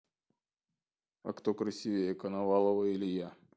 а кто красивее коновалова или я